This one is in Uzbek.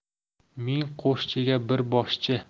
ming qo'shchiga bir boshchi